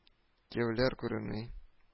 Кияүләр күренми